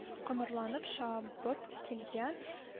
Комарланып чабып килгән